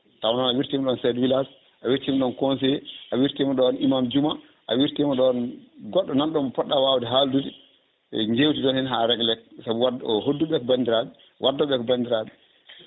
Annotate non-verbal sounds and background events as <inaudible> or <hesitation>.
taw noon a wirtima ɗon chef de village a wirtima ɗon conseillé a wirtima ɗon iman juuma a wirtima ɗon goɗɗo nan ɗon mo poɗɗo wawde haaldude jewtidon hen ha regla saabu <hesitation> hodduɓe ko bandiraɓe waddoɓe ko bandiraɓe